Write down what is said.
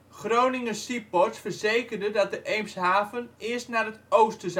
Groningen Seaports verzekerde dat de Eemshaven eerst naar het oosten